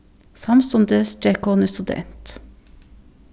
samstundis gekk hon í student